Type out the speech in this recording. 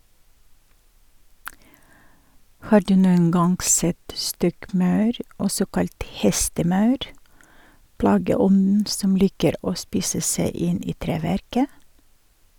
Har du noen gang sett stokkmaur, også kalt hestemaur, plageånden som liker å spise seg inn i treverket?